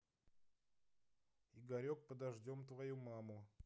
игорек подождем твою маму